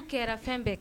An kɛra fɛn bɛɛ